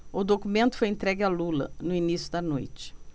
o documento foi entregue a lula no início da noite